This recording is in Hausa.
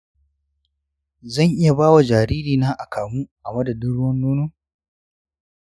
zan iya ba wa jaririna akamu a madadin ruwan nono?